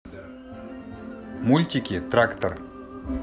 мультики трактор